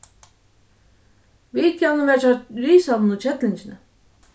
vitjanin var hjá risanum og kellingini